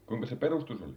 kuinkas se perustus oli